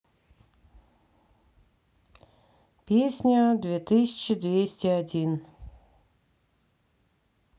песня две тысячи двести один